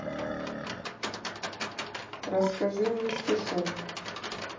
расскажи мне стишок